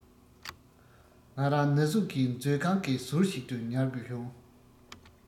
ང རང ན ཟུག གིས མཛོད ཁང གི ཟུར ཞིག ཏུ ཉལ དགོས བྱུང